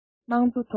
དམངས གཙོ དོ དམ